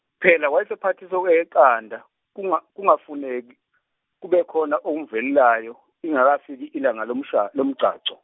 phela wayesephathiswa okweqanda, kunga- kungafuneki kubekhona okumvelelayo lingakafiki ilanga lomsha- lomgcagco.